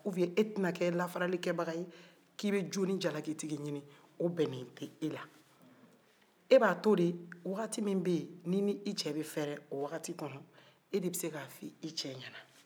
u biyɛn e tɛ na kɛ lafaralikɛbaga ye k'i bɛ jo ni jalikitigi ɲini o bɛnnen tɛ furumuso la e b'a to de wagati min bɛ yen n'i ni cɛ bɛ fɛrɛn o wagati kɔnɔ e de bɛ se k'a fɔ e cɛ ɲɛna